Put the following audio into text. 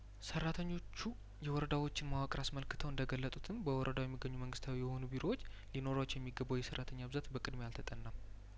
ሰራተኞቹ የወረዳዎችን መዋቅር አስመልክተው እንደገለጡትም በወረዳ የሚገኙ መንግስታዊ የሆኑ ቢሮዎች ሊኖሯቸው የሚገባው የሰራተኛ ብዛት በቅድሚያ አልተጠናም